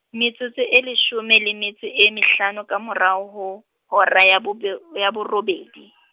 metsotso e leshome le metso e mehlano ka morao ho, hora ya bobe , borobedi.